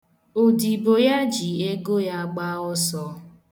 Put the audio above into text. Odibo ya ji ego ya gbaa ọsọ.